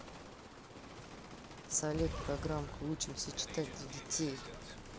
салют программка учимся читать для детей